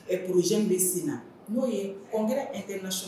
Ɛɛ pzy bɛ sen na n'o ye ko kɛra e tɛ nasɔn